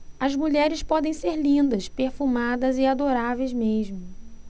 as mulheres podem ser lindas perfumadas e adoráveis mesmo